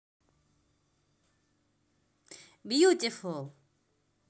beautiful